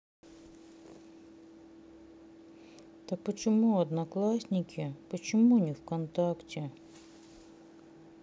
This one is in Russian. так почему одноклассники почему не вконтакте